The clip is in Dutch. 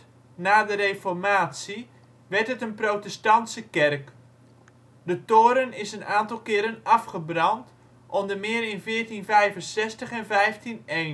na de reformatie, werd het een protestantse kerk. De toren is een aantal keren afgebrand, onder meer in 1465 en 1501. In